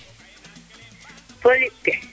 fo liɓ ke